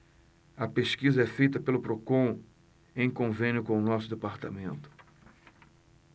a pesquisa é feita pelo procon em convênio com o diese